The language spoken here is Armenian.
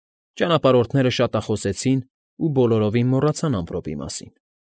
Ճանապարհորդները շատախոսեցին ու բոլորովին մոռացան ամպրոպի մասին։